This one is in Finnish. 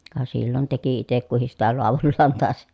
ka silloin teki itse kukin sitä laadullaan taisi